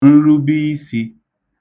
nrubiisī